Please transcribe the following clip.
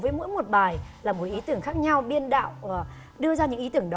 với mỗi một bài là một ý tưởng khác nhau biên đạo đưa ra những ý tưởng đó